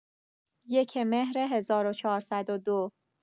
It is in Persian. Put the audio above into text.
۱ مهر ۱۴۰۲